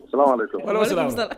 Salamalakum. Walekum salam.